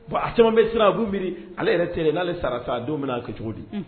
Bon a caman bɛ siranbu miiri ala yɛrɛ tɛ n'ale sarata don min' kɛ cogo di